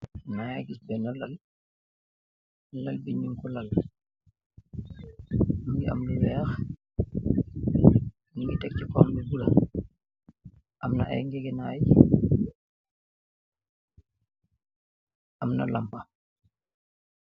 Magi giss bena laal laal bi nyun ko laal mogi aam lu weex nyu gi tek si kawam lu bulo amna ay njegenay am na lampa.